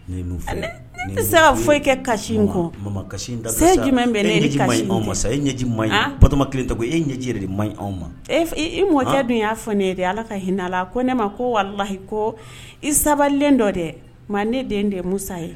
Se foyi e kɛ kasiji bɛ ne ma sa e ɲɛji ma kelen tɔgɔ e ɲɛji de ma ɲi anw ma i mɔdiya dun y'a fɔ ne e ala ka hinɛ' la ko ne ma ko walahi ko i sabalilen dɔ dɛ nka ne den tɛ musa ye